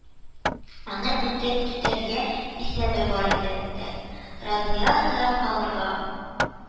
Аның үтеп китәргә исәбе бар иде дә, Разыя сорап калырга